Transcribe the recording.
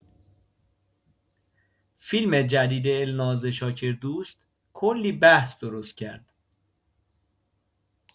فیلم جدید الناز شاکردوست کلی بحث درست کرد.